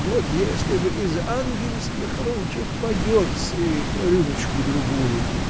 — Вот если б из ангельских ручек мадерцы рюмочку-другую.